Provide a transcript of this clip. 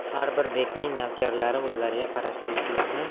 har bir bekning navkarlari o'zlariga qarashli yuklarni